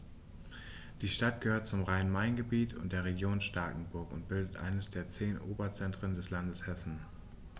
Die Stadt gehört zum Rhein-Main-Gebiet und der Region Starkenburg und bildet eines der zehn Oberzentren des Landes Hessen.